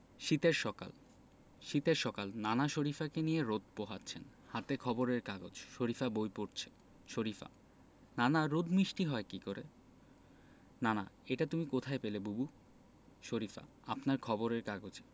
শীতের সকাল শীতের সকাল নানা শরিফাকে নিয়ে রোদ পোহাচ্ছেন হাতে খবরের কাগজ শরিফা বই পড়ছে শরিফা নানা রোদ মিষ্টি হয় কী করে নানা এটা তুমি কোথায় পেলে বুবু শরিফা আপনার খবরের কাগজে